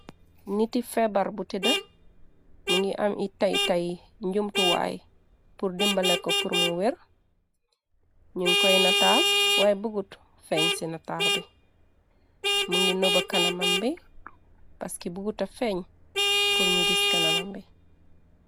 Niti feebar bu teda, mu ngi am ay tay tay njumtu waay pur dimbale ko purmu wer. Nying koy nataal, waay bugut feeñ ci nataal bi. Mu ngi noba kana mam bi, paski buguta feeñ pur ñu gis kana mam bi.